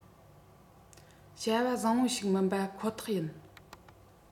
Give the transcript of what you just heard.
བྱ བ བཟང པོ ཞིག མིན པ ཁོ ཐག ཡིན